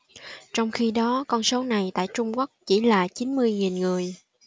trong khi đó con số này tại trung quốc chỉ là chín mươi nghìn người